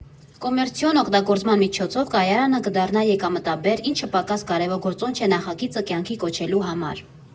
Կոմերցիոն օգտագործման միջոցով կայարանը կդառնա եկամտաբեր, ինչը պակաս կարևոր գործոն չէ նախագիծը կյանքի կոչելու համար։